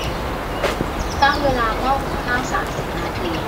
ตั้งเวลาหม้อหุงข้าวสามสิบนาที